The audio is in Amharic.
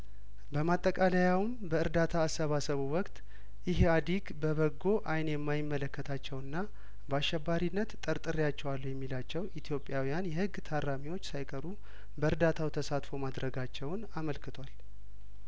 በማጠቃለያውም በእርዳታ አሰባሰቡ ወቅት ኢህአዲግ በበጐ አይን የማይመለከታቸውና በአሸባሪነት ጠርጥሬያቸዋለሁ የሚላቸው ኢትዮጵያውያን የህግ ታራሚዎች ሳይቀሩ በእርዳታው ተሳትፎ ማድረጋቸውን አመልክቷል